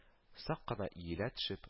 Сак кына иелә төшеп